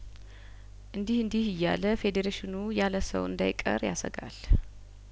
እንዲህ እንዲህ እያለ ፌዴሬሽኑ ያለሰው እንዳይቀር ያሰጋል